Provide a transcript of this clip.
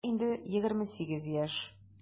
Аңа инде 28 яшь.